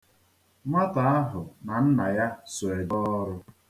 Nwata ahụ na nna ya so eje ọrụ.